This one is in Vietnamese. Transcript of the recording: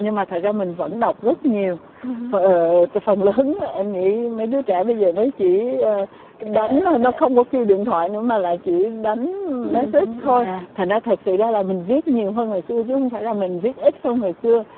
nhưng mà thật ra mình vẫn đọc rất nhiều ờ phần lớn là em nghĩ mấy đứa trẻ bây giờ nếu chỉ đánh nó không có điện thoại nữa mà lại chỉ đánh mé sít thôi thành ra là thực sự ra là mình viết nhiều hơn hồi xưa chứ không phải là mình viết ít hơn hồi xưa